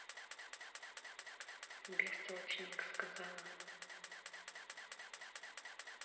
бестолочи ника сказала